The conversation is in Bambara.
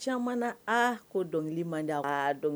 Caman na . A ko dɔnkili man di a kɔrɔ de